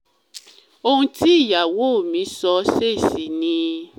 ”Ohun tí ìyàwó mi sọ ṣè ṣì ni.